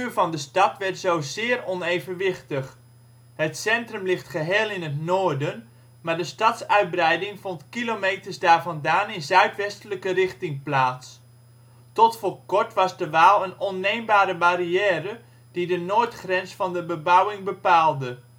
van de stad werd zo zeer onevenwichtig: het centrum ligt geheel in het noorden, maar de stadsuitbreiding vond kilometers daarvandaan in zuidwestelijke richting plaats. Tot voor kort was de Waal een onneembare barrière die de noordgrens van de bebouwing bepaalde